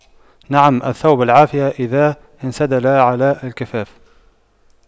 نعم الثوب العافية إذا انسدل على الكفاف